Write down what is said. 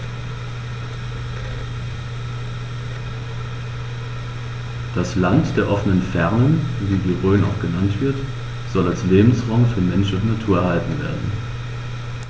Das „Land der offenen Fernen“, wie die Rhön auch genannt wird, soll als Lebensraum für Mensch und Natur erhalten werden.